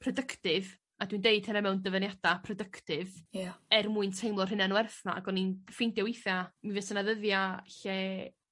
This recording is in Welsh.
productive ac yn deud hynna mewn dyfyniada productive... Ia. ...er mwyn teimlo'r hunan werth 'na ag o'n i'n ffeindio weithia' mi fysa 'na ddyddia' lle